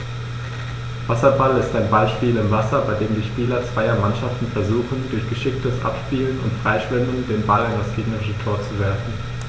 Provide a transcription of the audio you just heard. Wasserball ist ein Ballspiel im Wasser, bei dem die Spieler zweier Mannschaften versuchen, durch geschicktes Abspielen und Freischwimmen den Ball in das gegnerische Tor zu werfen.